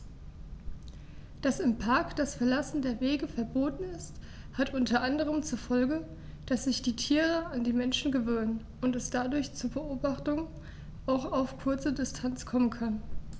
Dass im Park das Verlassen der Wege verboten ist, hat unter anderem zur Folge, dass sich die Tiere an die Menschen gewöhnen und es dadurch zu Beobachtungen auch auf kurze Distanz kommen kann.